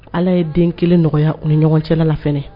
Ala ye den 1 nɔgɔya u ni ɲɔgɔn cɛla la fɛnɛ